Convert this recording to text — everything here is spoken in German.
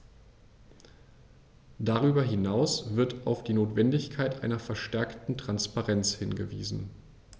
Darüber hinaus wird auf die Notwendigkeit einer verstärkten Transparenz hingewiesen.